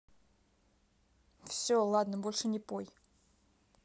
все ладно больше не пой